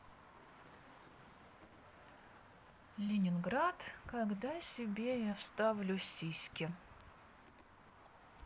ленинград когда себе я вставлю сиськи